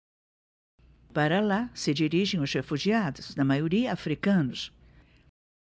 para lá se dirigem os refugiados na maioria hútus